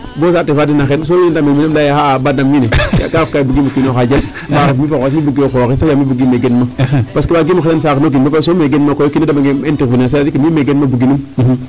Bo saate faa den a xen so i ndam mene laye xa'a bo dam wiin we mi' fo xooxes mi' bugeeru xooxes yaam bugiim me gen ma parce que waagiIm o xendan saax no kiin bo pare so me gen ma koy o kiin a damange intervenir a so me gen ma buginum.